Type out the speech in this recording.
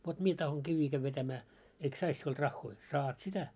vot minä tahdon kiviä käydä vetämään eikö saisi sinulta rahoja saat sitä